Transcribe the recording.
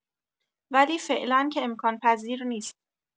ولی فعلا که امکان‌پذیر نیست.